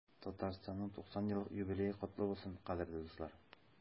Татарстанның 90 еллык юбилее котлы булсын, кадерле дуслар!